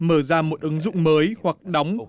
mở ra một ứng dụng mới hoặc đóng